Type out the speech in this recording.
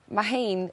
ma' 'hein